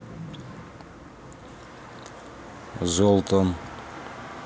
золтан